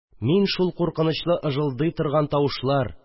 Мин шул куркынычлы ыжылдый торган тавышлар